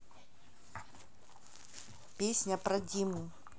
песня про диму